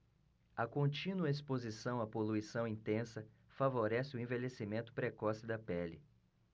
a contínua exposição à poluição intensa favorece o envelhecimento precoce da pele